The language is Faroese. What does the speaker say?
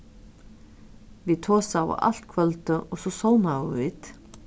vit tosaðu alt kvøldið og so sovnaðu vit